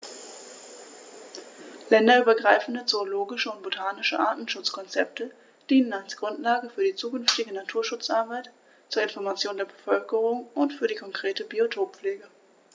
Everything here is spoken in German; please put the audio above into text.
Länderübergreifende zoologische und botanische Artenschutzkonzepte dienen als Grundlage für die zukünftige Naturschutzarbeit, zur Information der Bevölkerung und für die konkrete Biotoppflege.